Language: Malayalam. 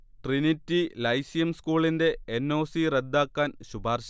ട്രിനിറ്റി ലൈസിയം സ്കൂളിന്റെ എൻ. ഒ. സി റദ്ദാക്കാൻ ശുപാർശ